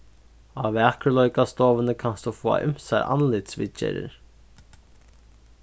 á vakurleikastovuni kanst tú fáa ymsar andlitsviðgerðir